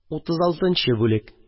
36 бүлек